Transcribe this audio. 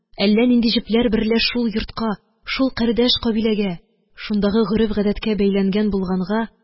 Әллә нинди җепләр берлә шул йортка, шул кардәш-кабиләгә, шундагы гореф-гадәткә бәйләнгән булганга,